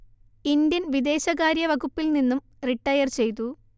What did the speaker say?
Indian വിദേശകാര്യ വകുപ്പിൽ നിന്നും റിട്ടയർ ചെയ്തു